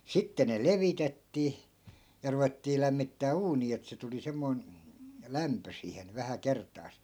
sitten ne levitettiin ja ruvettiin lämmittämään uunia että se tuli semmoinen lämpö siihen vähän kertaansa